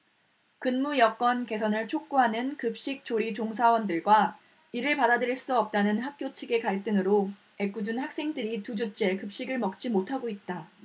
근무여건 개선을 촉구하는 급식 조리 종사원들과 이를 받아들일 수 없다는 학교 측의 갈등으로 애꿎은 학생들이 두 주째 급식을 먹지 못하고 있다